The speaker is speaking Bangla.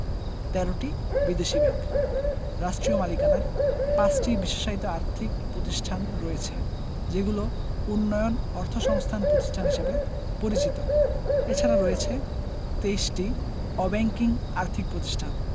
১৩টি বিদেশী ব্যাংক রাষ্ট্রীয় মালিকানার ৫টি বিশেষায়িত আর্থিক প্রতিষ্ঠান রয়েছে যেগুলো উন্নয়ন অর্থসংস্থান প্রতিষ্ঠান হিসেবে পরিচিত এছাড়াও রয়েছে ২৩টি অব্যাংকিং আর্থিক প্রতিষ্ঠান